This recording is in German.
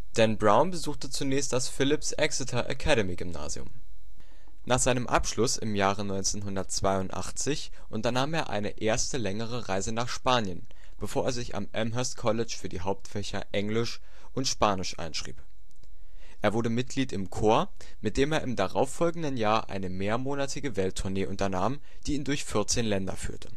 Dan Brown besuchte zunächst das Phillips-Exeter-Academy-Gymnasium. Nach seinem Abschluss im Jahre 1982 unternahm er eine erste längere Reise nach Spanien, bevor er sich am Amherst College für die Hauptfächer Englisch und Spanisch einschrieb. Er wurde Mitglied im Chor, mit dem er im darauf folgenden Jahr eine mehrmonatige Welttournee unternahm, die ihn durch vierzehn Länder führte